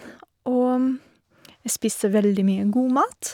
Og jeg spiste veldig mye god mat.